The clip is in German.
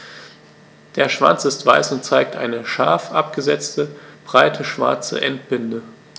Der Schwanz ist weiß und zeigt eine scharf abgesetzte, breite schwarze Endbinde.